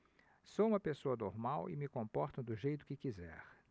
sou homossexual e me comporto do jeito que quiser